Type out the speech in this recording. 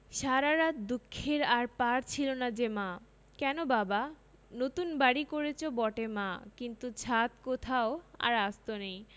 সারা রাত দুঃখের আর পার ছিল না যে মা কেন বাবা নতুন বাড়ি করেচ বটে মা কিন্তু ছাত কোথাও আর আস্ত নেই